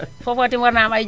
foofoo tim war naa am ay